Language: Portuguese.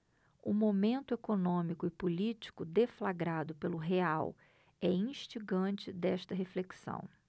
o momento econômico e político deflagrado pelo real é instigante desta reflexão